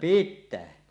pitää